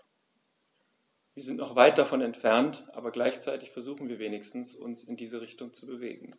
Wir sind noch weit davon entfernt, aber gleichzeitig versuchen wir wenigstens, uns in diese Richtung zu bewegen.